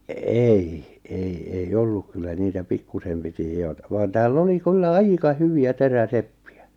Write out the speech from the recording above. ei ei ei ollut kyllä niitä pikkuisen piti hioa vaan täällä oli kyllä aika hyviä teräseppiä